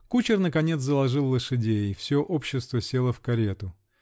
Кучер наконец заложил лошадей; все общество село в карету.